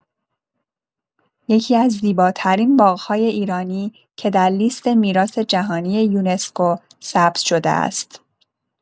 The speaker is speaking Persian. یکی‌از زیباترین باغ‌های ایرانی که در لیست میراث جهانی یونسکو ثبت شده است.